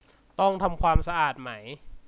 ต้องทำความสะอาดไหม